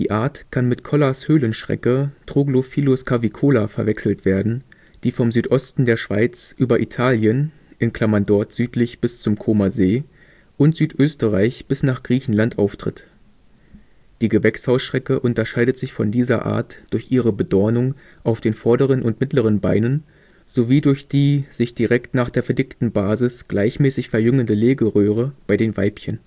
Art kann mit Kollars Höhlenschrecke (Troglophilus cavicola) verwechselt werden, die vom Südosten der Schweiz über Italien (dort südlich bis zum Comer See) und Südösterreich bis nach Griechenland auftritt. Die Gewächshausschrecke unterscheidet sich von dieser Art durch ihre Bedornung auf den vorderen und mittleren Beinen sowie durch die sich direkt nach der verdickten Basis gleichmäßig verjüngende Legeröhre bei den Weibchen